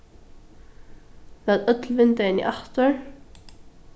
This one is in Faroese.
lat øll vindeyguni aftur